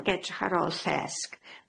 ag edrych ar ôl lles.